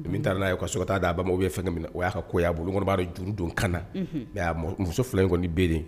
Min taara n'a ko so kata d'a ba o bɛ ye fɛn minɛ o y'a ka ko'a bolo kɔnɔ'a juru don kan na y'a muso fila in kɔniɔni bere